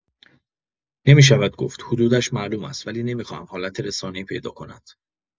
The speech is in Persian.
نمی‌شود گفت، حدودش معلوم است ولی نمی‌خواهم حالت رسانه‌ای پیدا کند.